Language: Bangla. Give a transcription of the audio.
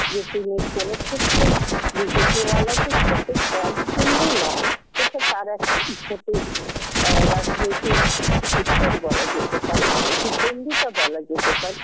যে তিনি কোন ক্ষেত্রেই বিজেপি ওয়ালাদের থেকে কম হিন্দু নন সেটা তার একটা ভোটের রাজনীতির উত্তর বলা যেতে পারে প্রতিদ্বন্দ্বিতা বলা যেতে পারে